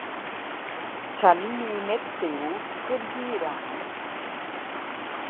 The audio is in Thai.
ฉันมีเม็ดสิวขึ้นที่หลัง